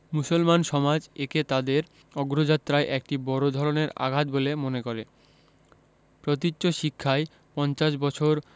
মুসলমান সমাজ একে তাদের অগ্রযাত্রায় একটি বড় ধরনের আঘাত বলে মনে করে প্রতীচ্য শিক্ষায় পঞ্চাশ বছর